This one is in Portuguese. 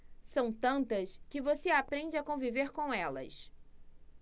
são tantas que você aprende a conviver com elas